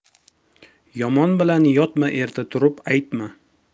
yomon bilan yotma erta turib aytma